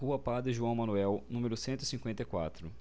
rua padre joão manuel número cento e cinquenta e quatro